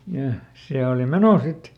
ja ja se oli menoa sitten